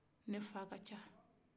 ne fa ka ca